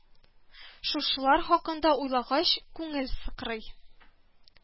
Шушылар хакында уйлагач, күңел сыкрый